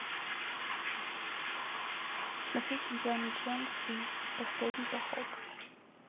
смотреть индиана джонс и последний поход